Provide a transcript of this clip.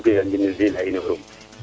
*